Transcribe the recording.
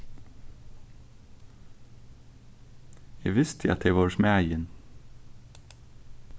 eg visti at tey vóru smæðin